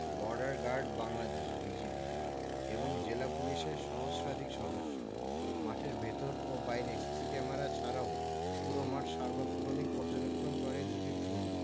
border guard Bangladesh BGB এবং জেলা পুলিশের সহস্রাধিক সদস্য মাঠের ভেতর ও বাইরে সিসি ক্যামেরা ছাড়াও পুরো মাঠ সার্বক্ষণিক পর্যবেক্ষণ করে দুটি ড্রোন